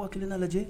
Aw' a kelen' lajɛ